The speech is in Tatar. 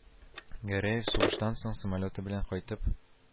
Гәрәев сугыштан соң самолеты белән кайтып